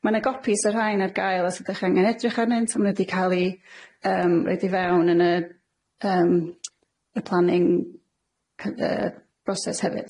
Ma' 'ne gopis o rhain ar gael os ydych angen edrych arnynt. Ma' nw wedi ca'l i yym roid i fewn yn y yym y planning cy- yy broses hefyd.